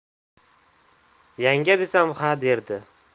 yanga desam xa derdi